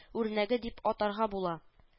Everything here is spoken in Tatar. Үрнәге дип атарга була